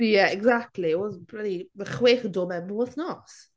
Ie exactly. Wel bloody mae chwech yn dod mewn pob wythnos.